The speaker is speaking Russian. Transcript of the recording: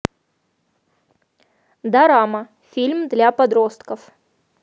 дорама фильмы для подростков